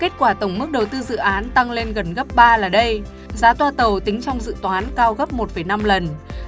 kết quả tổng mức đầu tư dự án tăng lên gần gấp ba là đây giá toa tàu tính trong dự toán cao gấp một phẩy năm lần